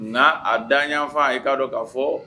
N'a daɲafan a i k'a dɔn k'a fɔ